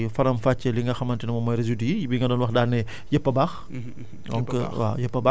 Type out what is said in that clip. yaa ngi nekkoon ci faram-fàccee li nga xamante ne moom mooy résidus yi bi nga doon wax daal ne yëpp a baax